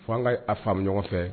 Fo an ka a fa ɲɔgɔn fɛ